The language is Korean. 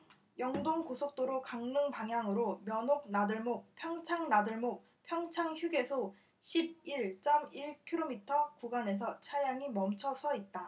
영동고속도로 강릉방향으로 면옥나들목 평창나들목 평창휴게소 십 일 쩜 일 키로미터 구간에서 차량이 멈춰서 있다